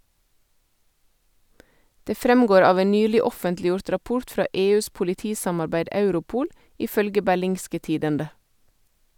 Det fremgår av en nylig offentliggjort rapport fra EUs politisamarbeid Europol, ifølge Berlingske Tidende.